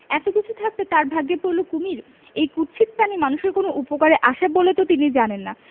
এত কিছু থাকতে তাঁর ভাগ্যে পড়ল কুমীর এই কুৎসিত প্রাণী মানুষের কোন উপকারে আসে বলে তো তিনি জানেন না